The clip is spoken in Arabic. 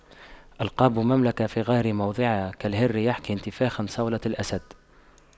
ألقاب مملكة في غير موضعها كالهر يحكي انتفاخا صولة الأسد